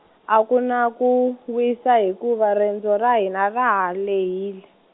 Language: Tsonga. a ku na ku wisa hikuva rendzo ra hina ra ha lehile.